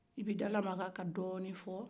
i b'i dalamaga ka dɔni fɔ